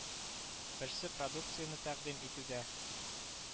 Берсе продукцияне тәкъдим итүдә